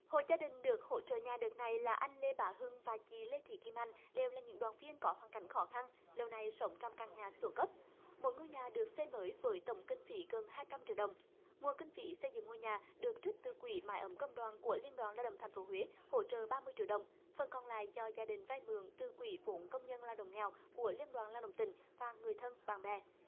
hộ gia đình được hỗ trợ nhà đợt này là anh lê bá hưng và chị lê thị kim anh đều là những đoàn viên có hoàn cảnh khó khăn lâu nay sống trong căn nhà xuống cấp một ngôi nhà được xây mới với tổng kinh phí gần hai trăm triệu đồng nguồn kinh phí xây dựng ngôi nhà được trích từ quỹ mái ấm công đoàn của liên đoàn lao động thành phố huế hỗ trợ ba mươi triệu đồng phần còn lại do gia đình vay mượn từ quỹ vốn công nhân lao động nghèo của liên đoàn lao động tỉnh và người thân bạn bè